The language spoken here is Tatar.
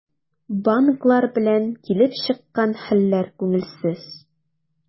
Банклар белән килеп чыккан хәлләр күңелсез.